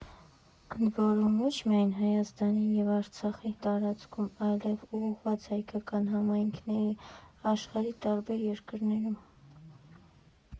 Ընդ որում, ոչ միայն Հայաստանի և Արցախի տարածքում, այլև՝ ուղղված հայկական համայնքներին աշխարհի տարբեր երկրներում։